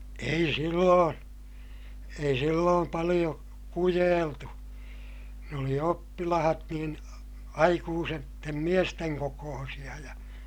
ei silloin ei silloin paljon kujeiltu ne oli oppilaat niin aikuisten miesten kokoisia ja